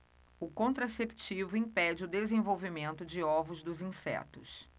o contraceptivo impede o desenvolvimento de ovos dos insetos